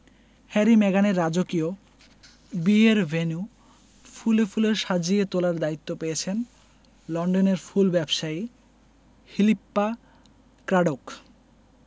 Harry মেগানের রাজকীয় বিয়ের ভেন্যু ফুলে ফুলে সাজিয়ে তোলার দায়িত্ব পেয়েছেন লন্ডনের ফুল ব্যবসায়ী ফিলিপ্পা ক্র্যাডোক